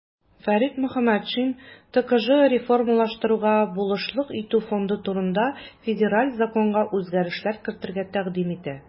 Фәрит Мөхәммәтшин "ТКҖ реформалаштыруга булышлык итү фонды турында" Федераль законга үзгәрешләр кертергә тәкъдим итә.